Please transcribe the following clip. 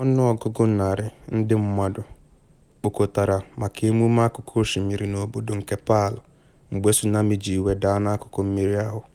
Ọnụọgụ narị ndị mmadụ kpokọtara maka emume akụkụ osimiri n’obodo nke Palu mgbe tsunami ji iwe daa n’akụkụ mmiri ahu.